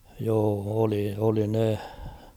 joo oli oli ne